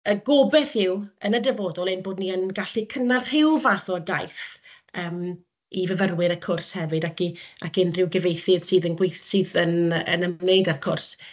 y gobaith yw, yn y dyfodol, ein bod ni yn gallu cynnal rhyw fath o daith yym i fyfyrwyr y cwrs hefyd, ac i ac i unrhyw gyfieithydd sydd yn gweith- sydd yn yy ymwneud â'r cwrs,